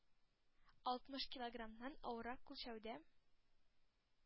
Алтмыш килограммнан авыррак үлчәүдә